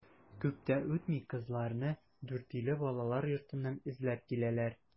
Күп тә үтми кызларны Дүртөйле балалар йортыннан эзләп киләләр.